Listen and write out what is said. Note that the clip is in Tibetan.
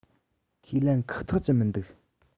ཁས ལེན ཁུག ཐུབ ཀྱི མི འདུག